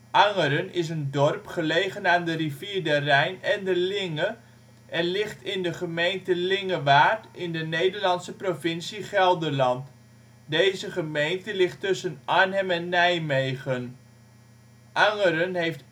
Angeren is een dorp gelegen aan de rivier de Rijn en de Linge en ligt in de gemeente Lingewaard in de Nederlandse provincie Gelderland. Deze gemeente ligt tussen Arnhem en Nijmegen. Angeren heeft